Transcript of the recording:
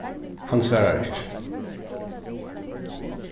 hann svarar ikki